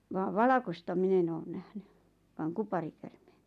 vaan valkoista minä en ole nähnyt vain kuparikäärmeen